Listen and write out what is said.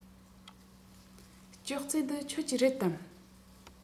ཅོག ཙེ འདི ཁྱོད ཀྱི རེད དམ